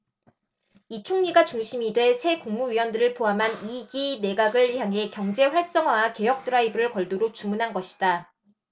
이 총리가 중심이 돼 새 국무위원들을 포함한 이 기 내각을 향해 경제활성화와 개혁 드라이브를 걸도록 주문한 것이다